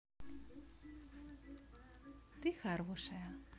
ты хорошая